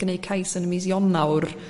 gneud cais yn y mis Ionawr